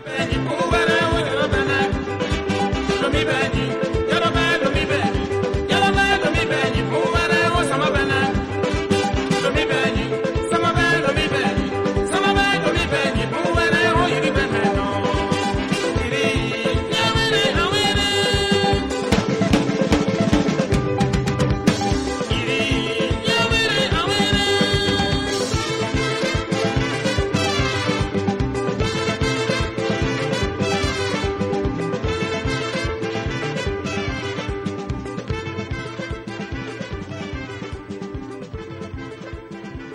Ja fɛ ja j fɛ sama ja ja